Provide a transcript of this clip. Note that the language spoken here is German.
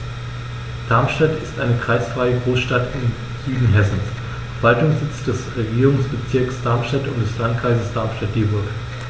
Darmstadt ist eine kreisfreie Großstadt im Süden Hessens, Verwaltungssitz des Regierungsbezirks Darmstadt und des Landkreises Darmstadt-Dieburg.